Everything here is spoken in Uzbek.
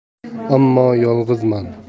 ammo yolg'izman